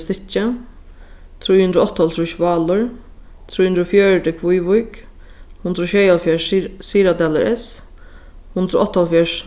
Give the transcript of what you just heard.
stykkið trý hundrað og áttaoghálvtrýss válur trý hundrað og fjøruti kvívík hundrað og sjeyoghálvfjerðs syðradalur s hundrað og áttaoghálvfjerðs